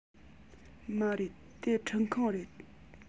མ རེད དེ ཁྲུད ཁང རེད